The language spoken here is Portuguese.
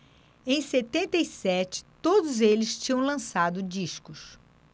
em setenta e sete todos eles tinham lançado discos